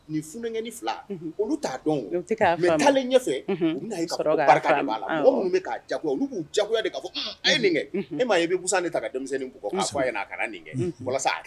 Nin funakɛnin fila, unhun, olu t'a dɔn wo, u tɛ ka faamu mais taalen ɲɛfɛ, unhun, u bɛ na ye ka fɔ barika ba la, mɔgɔ minnu bɛ k'u jagoya, olu bɛ k'u jagoya de, ka fɔ a ye nin kɛ, e ma ye i bɛ busan de ta ka denmisɛnnin nin ta ka denmisɛnnin bugɔ walasa a ka nin kɛ